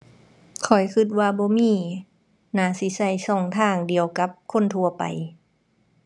ข้อยคิดว่าบ่มี น่าสิคิดช่องทางเดียวกับคนทั่วไป